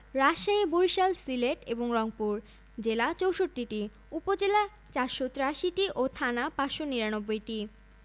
রাজশাহী বরিশাল সিলেট এবং রংপুর জেলা ৬৪টি উপজেলা ৪৮৩টি ও থানা ৫৯৯টি